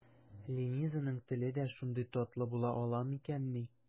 Ленизаның теле дә шундый татлы була ала микәнни?